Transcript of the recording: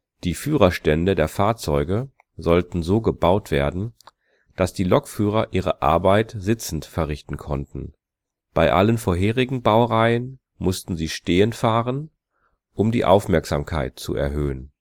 Die Führerstände der Fahrzeuge sollten so gebaut werden, dass die Lokführer ihre Arbeit sitzend verrichten konnten, bei allen vorherigen Baureihen mussten sie stehend fahren, um die Aufmerksamkeit zu erhöhen